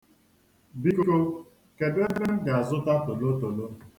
Biko, kedu ebe m ga-azụta tolotolo?